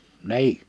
niin